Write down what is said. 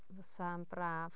Fysa'n braf.